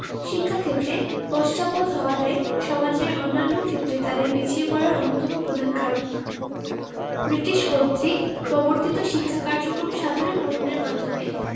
শিক্ষাক্ষেত্রে পশ্চাৎপদ হওয়াটাই সমাজের অন্যান্য ক্ষেত্রে তাদের পিছিয়ে পড়ার অন্যতম প্রধান কারণ ব্রিটিশ কর্তৃক প্রবর্তিত শিক্ষা কার্যক্রম সাদরে গ্রহণের মাধ্যমে